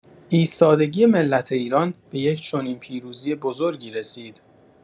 ایستادگی ملت ایران به یک چنین پیروزی بزرگی رسید.